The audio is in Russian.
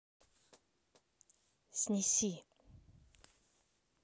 снеси